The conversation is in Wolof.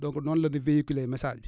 donc noonu la ñu véhiculezr message bi